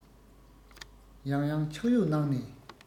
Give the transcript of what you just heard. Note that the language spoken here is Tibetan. ཡང ཡང ཕྱག གཡུགས གནང ནས